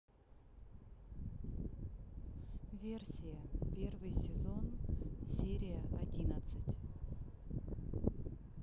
версия первый сезон серия одиннадцать